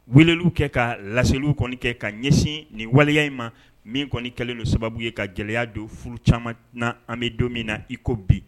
Weeleliw kɛ ka laseliliw kɔni kɛ ka ɲɛsin nin waleya in ma min kɔni kɛlen don ni sababu ye ka gɛlɛya don furu caaman na an bɛ don min na i ko bi.